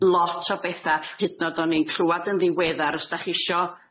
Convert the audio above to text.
Lot o betha, hyd 'n o'd o'n i'n clwad yn ddiweddar, os dach chi isio